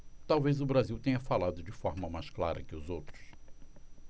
talvez o brasil tenha falado de forma mais clara que os outros